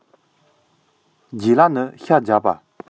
ལྗད ལགས ནི ཤ རྒྱགས པ